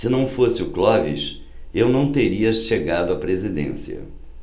se não fosse o clóvis eu não teria chegado à presidência